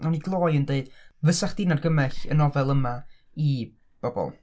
Nawn ni gloi yn deud, fysa chdi'n argymell y nofel yma i bobl?